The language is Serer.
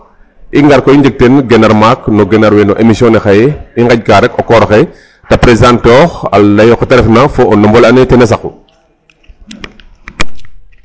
I ngar koy njeg teen genar maak no genar we émission ne xaye i nqaƴka rek o koor oxe ta présenter oox a lay oxe ta refna fo o ndombo le andoona yee ten a saqu.